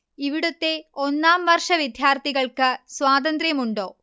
ഇവിടുത്തെ ഒന്നാം വർഷ വിദ്യാർത്ഥികൾക്ക് സ്വാതന്ത്ര്യമുണ്ടോ